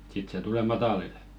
sitten se tulee matalille